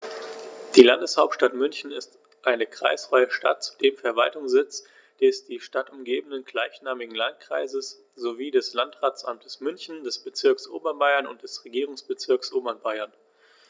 Die Landeshauptstadt München ist eine kreisfreie Stadt, zudem Verwaltungssitz des die Stadt umgebenden gleichnamigen Landkreises sowie des Landratsamtes München, des Bezirks Oberbayern und des Regierungsbezirks Oberbayern.